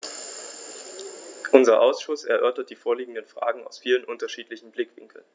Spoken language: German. Unser Ausschuss erörtert die vorliegenden Fragen aus vielen unterschiedlichen Blickwinkeln.